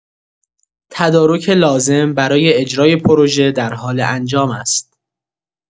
تدارک لازم برای اجرای پروژه در حال انجام است.